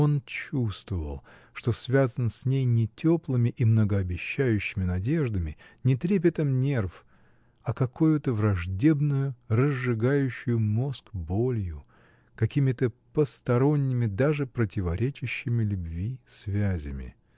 Он чувствовал, что связан с ней, не теплыми и многообещающими надеждами, не трепетом нерв, а какою-то враждебною, разжигающею мозг болью, какими-то посторонними, даже противоречащими любви связями.